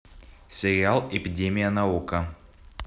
сериал эпидемия на окко